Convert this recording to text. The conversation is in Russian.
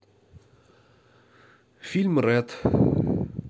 фильм рэд